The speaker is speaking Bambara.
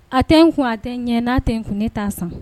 A tɛ n kun a tɛ ɲɛ n'a tɛ kun ne' san